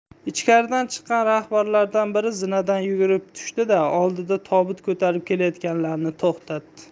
ichkaridan chiqqan rahbarlardan biri zinadan yugurib tushdi da oldinda tobut ko'tarib kelayotganlarni to'xtatdi